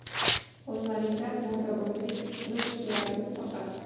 qo'llaringdan modabozlik qilish keladimi faqat